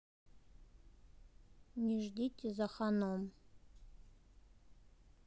не ждите зоханом